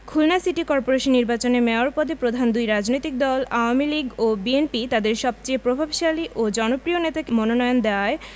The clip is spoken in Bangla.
খুলনা সিটি করপোরেশন নির্বাচনে মেয়র পদে প্রধান দুই রাজনৈতিক দল আওয়ামী লীগ ও বিএনপি তাদের সবচেয়ে প্রভাবশালী ও জনপ্রিয় নেতাকে মনোনয়ন দেওয়ায়